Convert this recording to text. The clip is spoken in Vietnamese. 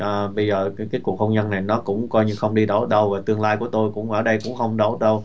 ờ bây giờ cái kết cục hôn nhân này nó cũng coi như không đi đâu đến đâu và tương lai của tôi cũng ở đây cũng không đâu đến đâu